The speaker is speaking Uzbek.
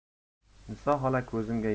niso xola ko'zimga